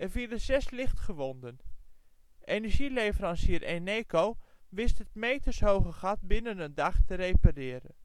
vielen 6 lichtgewonden. Energieleverancier Eneco wist het metersgrote gat binnen een dag te repareren